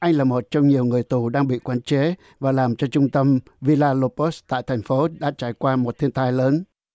anh là một trong nhiều người tù đang bị quản chế và làm cho trung tâm vi la lo pớt tại thành phố đã trải qua một thiên tài lớn